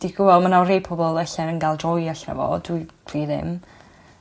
Di gwo ma' 'na rhei pobol ella yn ga'l joy allan o fo dwy dwi ddim.